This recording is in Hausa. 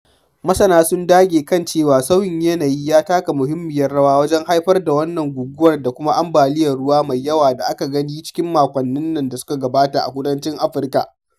Masana sun dage kan cewa sauyin yanayi ya taka muhimmiyar rawa wajen haifar da wannan guguwar da kuma ambaliyar ruwa mai yawa da aka gani cikin makonnin da suka gabata a kudancin Afirka.